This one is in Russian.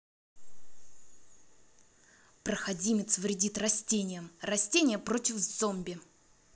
проходимец вредит растениям растения против зомби